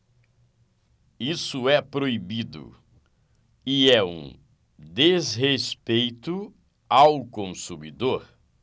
isso é proibido e é um desrespeito ao consumidor